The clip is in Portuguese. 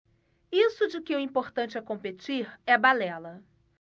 isso de que o importante é competir é balela